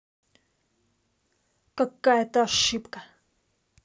какая то ошибка